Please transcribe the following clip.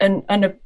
yn yn y